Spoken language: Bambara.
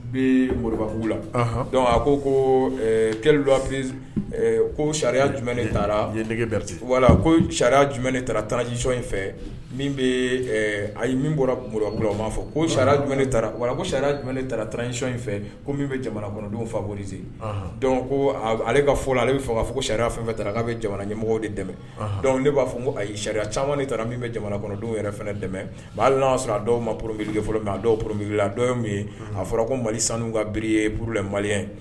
Bɛ moribabugu la a ko ko ke ko sariya jumɛn taara nɛgɛge bere wala ko sariya jumɛn ne taarasɔn in fɛ min bɛ ayi bɔra ma fɔ ko sariya jumɛn wa ko sariya jumɛn taarasɔn in fɛ bɛ jamana kɔnɔdenw fase ko ale ka fɔ ale bɛ ka fɔ sariya fɛ taara k' bɛ jamana ɲɛmɔgɔ de dɛmɛ dɔnku de b'a fɔ ko a ayi ye sariya caman taara bɛ jamana kɔnɔndenw yɛrɛ fana dɛmɛ hali n'a sɔrɔ dɔw ma porobiiririke fɔlɔ a dɔw porobila a dɔw ye min ye a fɔra ko mali sanu ka biriye mali